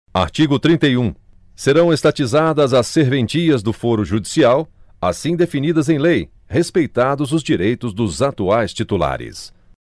artigo trinta e um serão estatizadas as serventias do foro judicial assim definidas em lei respeitados os direitos dos atuais titulares